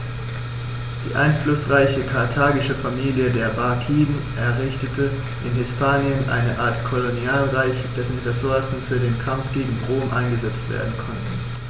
Die einflussreiche karthagische Familie der Barkiden errichtete in Hispanien eine Art Kolonialreich, dessen Ressourcen für den Kampf gegen Rom eingesetzt werden konnten.